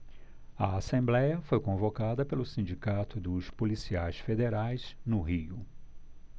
a assembléia foi convocada pelo sindicato dos policiais federais no rio